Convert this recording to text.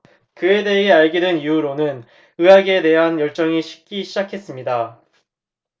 그에 대해 알게 된 이후로는 의학에 대한 열정이 식기 시작했습니다